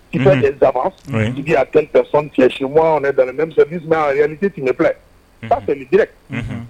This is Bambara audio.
I dama jigi a tɛ fɛn cɛsin dan yan ji tiɲɛ filɛ ati